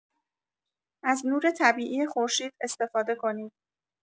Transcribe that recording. از نور طبیعی خورشید استفاده کنید.